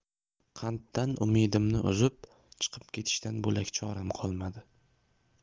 qanddan umidimni uzib chiqib ketishdan bo'lak choram qolmadi